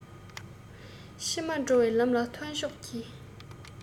ཕྱི མ འགྲོ བའི ལམ ལ ཐོན ཆོག གྱིས